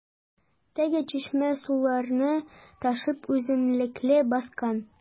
Теге чишмә сулары ташып үзәнлекне баскан.